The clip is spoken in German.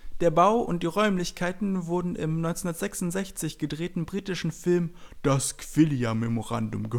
Der Bau und die Räumlichkeiten wurden im 1966 gedrehten britischen Film Das Quiller-Memorandum